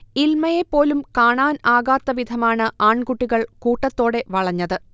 ഇൽമയെ കാണാൻപോലും ആകാത്ത വിധമാണ് ആൺകുട്ടികൾ കൂട്ടത്തോടെ വളഞ്ഞത്